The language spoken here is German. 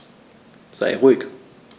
Sei ruhig.